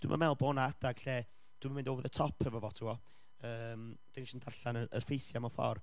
dwi'm yn meddwl bod 'na adeg lle... dwi'm yn mynd over the top efo fo tibod, yym, dan ni jyst yn darllen y y ffeithiau mewn ffordd